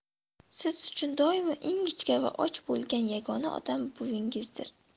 siz uchun doimo ingichka va och bo'lgan yagona odam buvingizdir